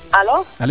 alo